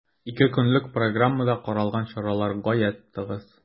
Ике көнлек программада каралган чаралар гаять тыгыз.